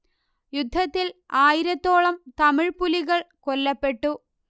യുദ്ധത്തിൽ ആയിരത്തോളം തമിഴ് പുലികൾ കൊല്ലപ്പെട്ടു